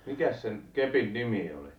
mikäs sen kepin nimi oli